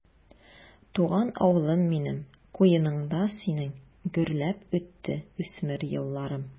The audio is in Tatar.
Туган авылым минем, куеныңда синең гөрләп үтте үсмер елларым.